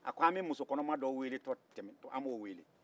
a ko an bɛ musokɔnɔma dɔ tɛmɛto wele